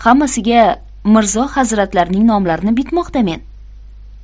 hammasiga mirzo hazratlarining nomlarini bitmoqdamen